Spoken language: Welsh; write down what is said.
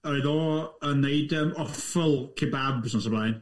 Oedd o yn wneud yym affwl kebabs nos y blaen.